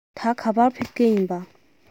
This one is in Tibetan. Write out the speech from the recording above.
ད ག པར ཕེབས མཁན ཡིན ན